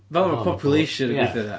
Fel 'na mae population yn gweithio